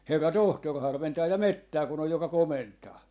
herra tohtori harventaa ja metsää kun on joka komentaa